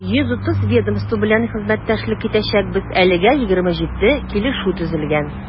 130 ведомство белән хезмәттәшлек итәчәкбез, әлегә 27 килешү төзелгән.